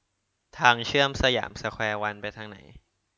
ทางเชื่อมสยามสแควร์วันไปทางไหน